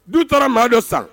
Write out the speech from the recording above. Du tora maa dɔ san